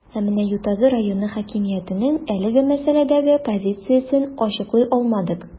Ә менә Ютазы районы хакимиятенең әлеге мәсьәләдәге позициясен ачыклый алмадык.